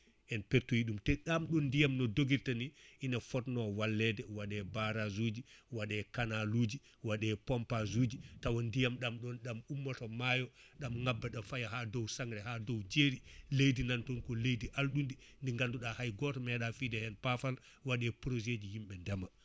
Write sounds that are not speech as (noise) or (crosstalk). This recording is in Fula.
en pertoyi ɗum te ɗam ɗon ndiyam no doguirta ni ina fotno wallede waɗe barrage uji (breath) waɗe canal uji wɗe pompage uji tawa ndiyam ɗamɗon ɗam ummoto maayo ɗam ngabba ɗam faya ha dow sangre ha dow jeeri leydi nan toon ko leydi alɗudi ndi ganduɗa hay goto meeɗa fiide hen paafal waɗe projet ji yimɓe deema